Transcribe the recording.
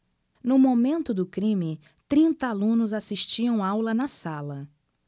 no momento do crime trinta alunos assistiam aula na sala